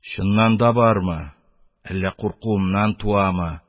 Чыннан да бармы, әллә куркуымнан туамы? -